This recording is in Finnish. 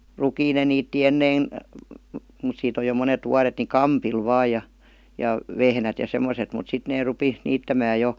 rukiin ne niitti ennen mutta siitä on jo monet vuodet niin kampilla vain ja ja vehnät ja semmoiset mutta sitten ne rupesi niittämään jo